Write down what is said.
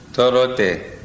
tɔɔrɔ tɛ